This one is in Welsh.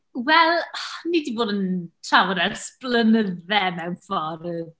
Wel ni 'di bod yn trafod e ers blynydde mewn ffordd.